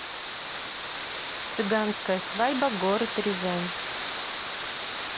цыганская свадьба город рязань